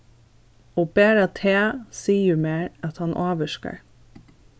og bara tað sigur mær at hann ávirkar